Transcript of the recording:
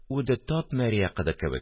Үде тап мэрия кыды кевек